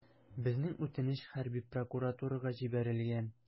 Безнең үтенеч хәрби прокуратурага җибәрелгән.